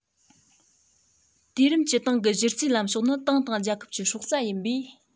དུས རིམ གྱི ཏང གི གཞི རྩའི ལམ ཕྱོགས ནི ཏང དང རྒྱལ ཁབ ཀྱི སྲོག རྩ ཡིན པས